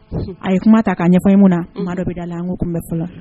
A ye kuma ta k'a ɲɛfɔ ye mun na dɔ bɛ la an ko kun bɛ fɔlɔ